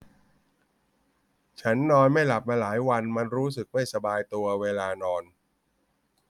ฉันนอนไม่หลับมาหลายวันมันรู้สึกไม่สบายตัวเวลานอน